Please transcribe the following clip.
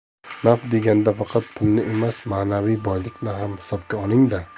naf deganda faqat pulni emas manaviy boylikni ham hisobga oling da